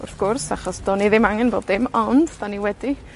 wrth gwrs, achos do'n i ddim angen bob dim, ond 'dan ni wedi